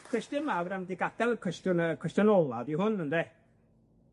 Cwestiwn mawr a mynd i gadal y cwestiwn yy cwestiwn ola 'di hwn ynde?